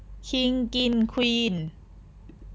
คิงกินควีน